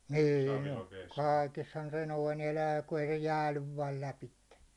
niin on kaikessahan se noin elää kun ei se jäädy vain lävitse